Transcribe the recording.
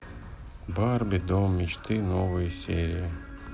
барби дом мечты новые серии